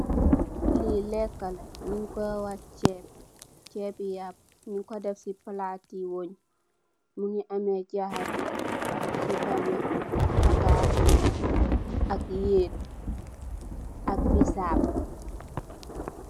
Lii lekka la nyungko deffarre aye yet jahatou pattas ak bissap